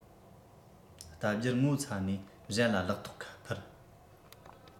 ལྟ རྒྱུར ངོ ཚ ནས གཞན ལ ལག ཐོགས ཁ པར